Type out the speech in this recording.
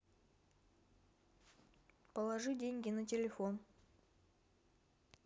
положи деньги на телефон